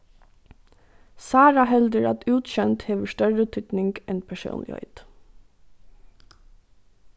sára heldur at útsjónd hevur størri týdning enn persónligheit